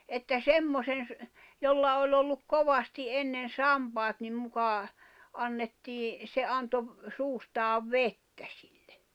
että semmoisen - jolla oli ollut kovasti ennen sampaat niin muka annettiin se antoi - suustaan vettä sille